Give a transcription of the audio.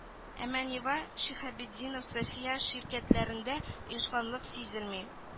Әмма нива шиһабеддинов сафия ширкәтләрендә оешканлык сизелми